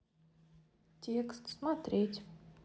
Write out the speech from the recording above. текст смотреть